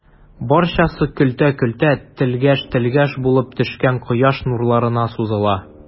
Барчасы көлтә-көлтә, тәлгәш-тәлгәш булып төшкән кояш нурларына сузыла.